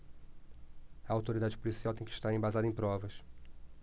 a autoridade policial tem de estar embasada em provas